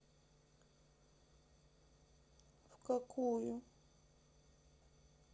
в какую